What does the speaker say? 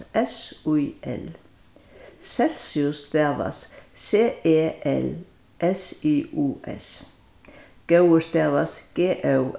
s í l celsius stavast c e l s i u s góður stavast g ó